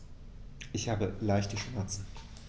Ich habe leichte Schmerzen.